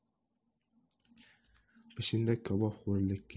peshinda kabobxo'rlik